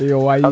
iyo waay